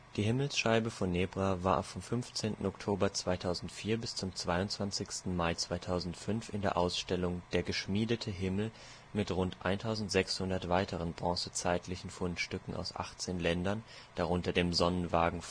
Himmelsscheibe von Nebra war vom 15. Oktober 2004 bis zum 22. Mai 2005 in der Ausstellung Der geschmiedete Himmel mit rund 1600 weiteren bronzezeitlichen Fundstücken aus 18 Ländern, darunter dem Sonnenwagen